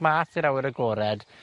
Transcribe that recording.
mas i'r awyr agored,